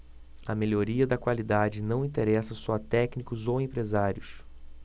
a melhoria da qualidade não interessa só a técnicos ou empresários